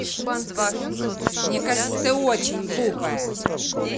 мне кажется ты очень глупая